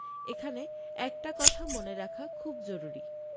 এখানে একটা কথা মনে রাখা খুব জরুরি